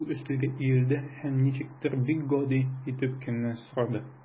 Ул өстәлгә иелде һәм ничектер бик гади итеп кенә сорады.